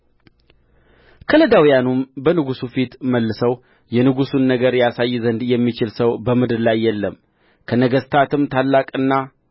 ከለዳውያኑም በንጉሡ ፊት መልሰው የንጉሡን ነገር ያሳይ ዘንድ የሚችል ሰው በምድር ላይ የለም ከነገሥታትም ታላቅና